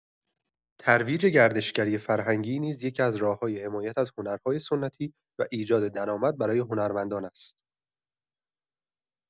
ترویج گردشگری فرهنگی نیز یکی‌از راه‌های حمایت از هنرهای سنتی و ایجاد درآمد برای هنرمندان است.